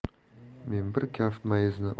men bir kaft mayizni